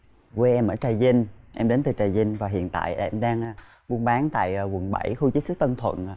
quê em ở trà vinh em đến từ trà vinh và hiện tại là em đang buôn bán tại quận bảy khu chế xuất tân thuận ạ